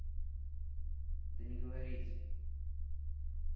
да не говорить